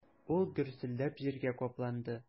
Ул гөрселдәп җиргә капланды.